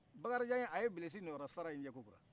bakarijan aye bilisi ninyɔrɔsara ni cɛ tuguni